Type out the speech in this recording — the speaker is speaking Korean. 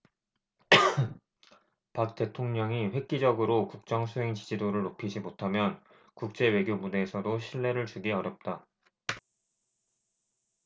박 대통령이 획기적으로 국정수행지지도를 높이지 못하면 국제 외교 무대에서도 신뢰를 주기 어렵다